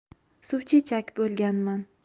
suv chechak bo'lganman